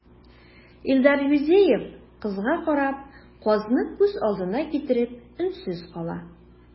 Илдар Юзеев, кызга карап, казны күз алдына китереп, өнсез кала.